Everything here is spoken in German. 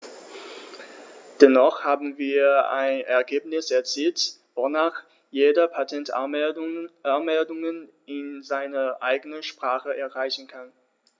Dennoch haben wir ein Ergebnis erzielt, wonach jeder Patentanmeldungen in seiner eigenen Sprache einreichen kann.